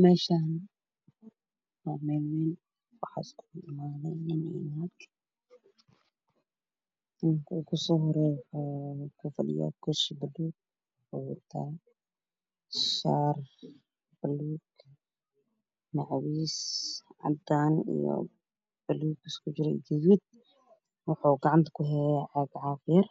Meeshaan waa meel wayn waxaa isugu imaaday nin iyo naag ninka oogu soo horeeyo wuxuu ku fadhiyaa kursi buluug wuxuu wataa shaati buluug macwiis cadaan buluug isku jira iyo guduud wuxuu gacanta ku hayaa caag caabir